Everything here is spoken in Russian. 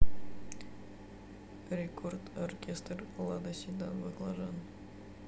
рекорд оркестр лада седан баклажан